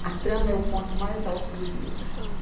a trama é o ponto mais alto do livro